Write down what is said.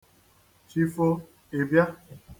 Chi fo, ị bịa.